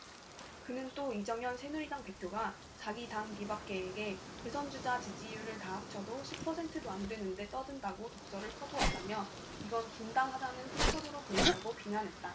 그는 또 이정현 새누리당 대표가 자기 당 비박계에게 대선주자 지지율을 다 합쳐도 십 퍼센트도 안 되는데 떠든다고 독설을 퍼부었다며 이건 분당하자는 통첩으로 보인다고 비난했다